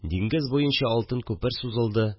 Диңгез буенча алтын күпер сузылды